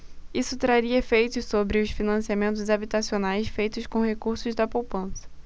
isso traria efeitos sobre os financiamentos habitacionais feitos com recursos da poupança